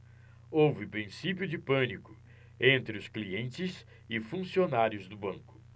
houve princípio de pânico entre os clientes e funcionários do banco